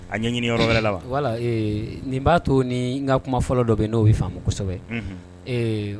A ɲɛ ɲini yɔrɔ wɛrɛ la nin b'a to ni n ka kuma fɔlɔ dɔ bɛ n'o faamusɛbɛ